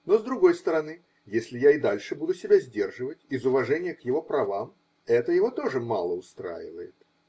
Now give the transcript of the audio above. но с другой стороны, если я и дальше буду себя сдерживать из уважения к его правам, это его тоже мало "устраивает".